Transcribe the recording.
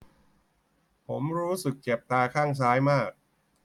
ผมรู้สึกเจ็บตาข้างซ้ายมาก